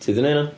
Ti 'di neud nhw?